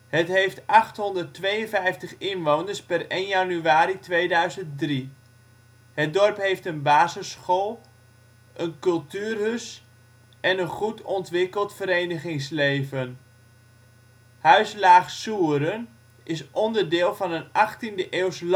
Het heeft 852 inwoners (per 1 januari 2003). Het dorp heeft een basisschool, een kulturhus en een goed ontwikkeld verenigingsleven. ' Huis Laag Soeren ' is onderdeel van een achttiende-eeuws landgoed